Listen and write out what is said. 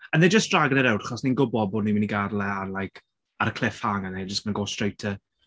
And they're just dragging it out achos ni'n gwybod bod ni'n mynd i gadael e ar ar like ar y cliffhanger and they're just going to go straight to...